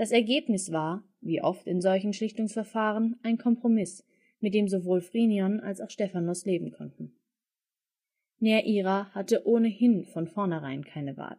Ergebnis war, wie oft in solchen Schlichtungsverfahren, ein Kompromiss, mit dem sowohl Phrynion als auch Stephanos leben konnten, Neaira hatte ohnehin von vornherein keine